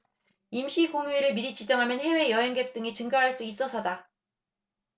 임시공휴일을 미리 지정하면 해외 여행객 등이 증가할 수 있어서다